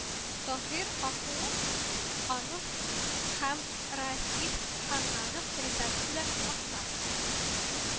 Таһир Ахун анов һәм Расих Ханнанов редакциядә кунакта